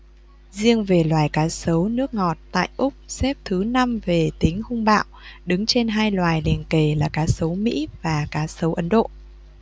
riêng về loài cá sấu nước ngọt tại úc xếp thứ năm về tính hung bạo đứng trên hai loài liền kề là cá sấu mỹ và cá sấu ấn độ